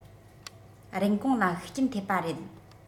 རིན གོང ལ ཤུགས རྐྱེན ཐེབས པ རེད